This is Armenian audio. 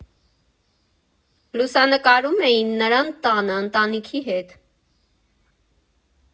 Լուսանկարում էին նրան տանը, ընտանիքի հետ։